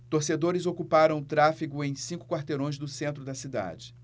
torcedores ocuparam o tráfego em cinco quarteirões do centro da cidade